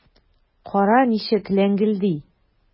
Кара, ничек ләңгелди!